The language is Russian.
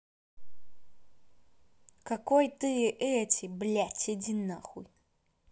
какой ты эти блядь иди нахуй